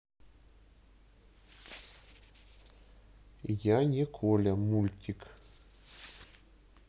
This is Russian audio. я не коля мультик